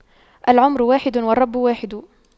العمر واحد والرب واحد